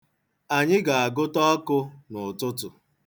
Anyị ga-agụta ọkụ n'ụtụtụ.